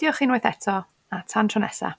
Diolch unwaith eto a tan tro nesa.